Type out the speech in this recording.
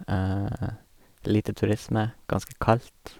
Det er lite turisme, ganske kaldt.